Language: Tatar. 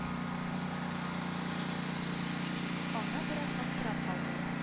Ана бераз аптырап калды.